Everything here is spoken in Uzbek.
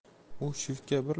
u shiftga bir